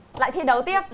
lại thi đấu tiếp